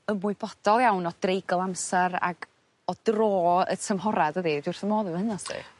ymwybodol iawn o dreigl amsar ag o dro y tymhora dydi dwi wrth fy modd efo hynna 'sdi.